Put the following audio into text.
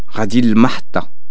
غادي لمحطة